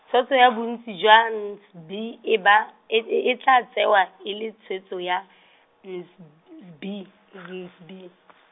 tshwetso ya bontsi jwa N S B, e ba, e e tla tsewa, e le tshwetso ya, N S S B, N S B.